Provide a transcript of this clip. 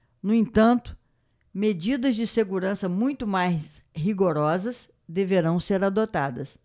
no entanto medidas de segurança muito mais rigorosas deverão ser adotadas